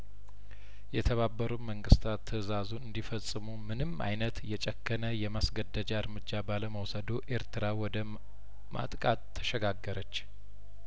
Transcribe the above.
የተባበሩት መንግስታት ትእዛዙን እንዲ ፈጸሙምንም አይነት የጨከነ የማስገደጃ እርምጃ ባለመውሰዱ ኤርትራ ወደማ ማጥቃት ተሸጋገረች